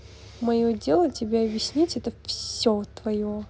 мое дело тебе объяснить это все твое